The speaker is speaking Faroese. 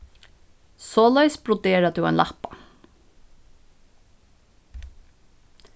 soleiðis broderar tú ein lappa